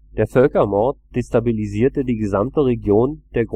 Der Völkermord destabilisierte die gesamte Region der